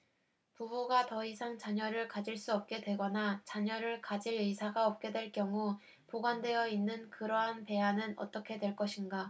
부부가 더 이상 자녀를 가질 수 없게 되거나 자녀를 가질 의사가 없게 될 경우 보관되어 있는 그러한 배아는 어떻게 될 것인가